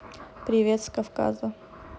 привет с кавказа